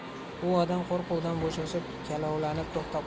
u odam qo'rquvdan bo'shashib kalovlanib to'xtab